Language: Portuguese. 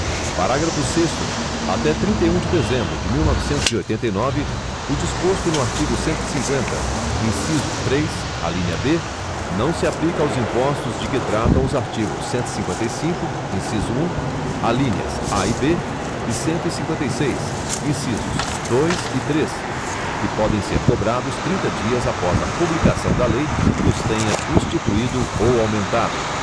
parágrafo sexto até trinta e um de dezembro de mil e novecentos e oitenta e nove o disposto no artigo cento e cinquenta inciso três alínea b não se aplica aos impostos de que tratam os artigos cento e cinquenta e cinco inciso um alíneas a e b e cento e cinquenta e seis incisos dois e três que podem ser cobrados trinta dias após a publicação da lei que os tenha instituído ou aumentado